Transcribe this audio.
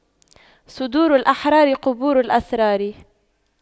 صدور الأحرار قبور الأسرار